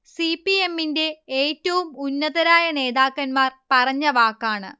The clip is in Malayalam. സി. പി. എ മ്മിന്റെ ഏറ്റവും ഉന്നതരായ നേതാക്കന്മാർ പറഞ്ഞ വാക്കാണ്